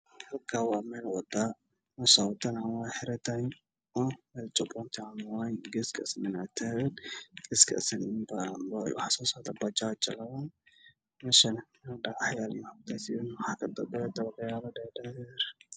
Meeshan waa laami ah waxaa maraya bajaaj waxaa iga muuqda dawqyo aada u dhaadheer ayaa nin meesha maraayo